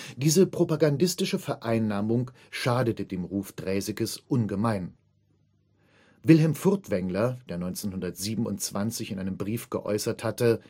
Diese propagandistische Vereinnahmung schadete dem Ruf Draesekes ungemein. Wilhelm Furtwängler, der 1927 in einem Brief geäußert hatte